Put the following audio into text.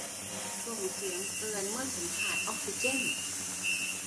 ส่งเสียงเตือนเมื่อฉันขาดออกซิเจน